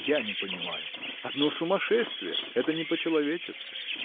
я не понимаю; одно сумасшествие – это не по-человечески.